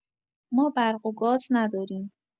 ما برق و گاز نداریم.